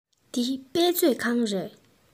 འདི དཔེ མཛོད ཁང རེད